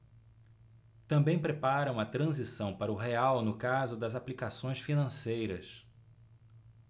também preparam a transição para o real no caso das aplicações financeiras